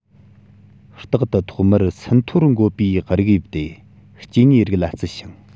རྟག ཏུ ཐོག མར ཟིན ཐོར བཀོད པའི རིགས དབྱིབས དེ སྐྱེ དངོས རིགས ལ བརྩི ཞིང